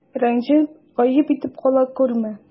Рәнҗеп, гаеп итеп кала күрмә.